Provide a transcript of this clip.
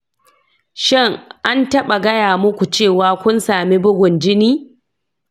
shin, an taɓa gaya muku cewa kun sami bugun jini?